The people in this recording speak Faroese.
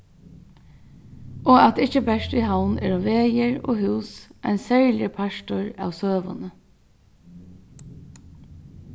og at ikki bert í havn eru vegir og hús ein serligur partur av søguni